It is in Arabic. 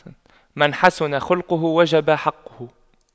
من حسن خُلقُه وجب حقُّه